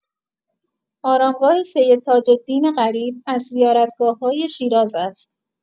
آرامگاه سید تاج‌الدین غریب از زیارتگاه‌های شیراز است.